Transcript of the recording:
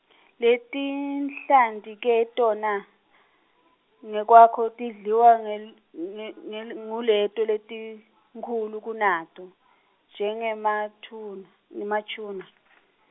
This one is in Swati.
Letinhlanti ke tona , ngekwakho tidliwa ngel- nge ngel- nguleto letinkhulu kunato, njengemaTuna nemaTuna .